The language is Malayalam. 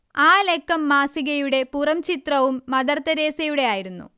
ആ ലക്കം മാസികയുടെ പുറംചിത്രവും മദർതെരേസയുടേതായിരുന്നു